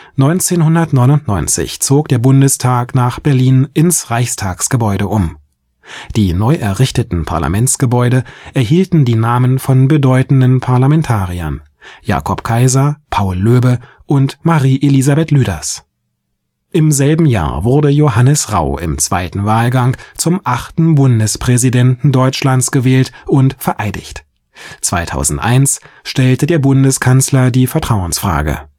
1999 zog der Bundestag nach Berlin ins Reichstagsgebäude um. Die neu errichteten Parlamentsgebäude erhielten die Namen von bedeutenden Parlamentariern: Jakob Kaiser, Paul Löbe und Marie Elisabeth Lüders. Im selben Jahr wurde Johannes Rau im zweiten Wahlgang zum achten Bundespräsidenten Deutschlands gewählt und vereidigt. 2001 stellte der Bundeskanzler die Vertrauensfrage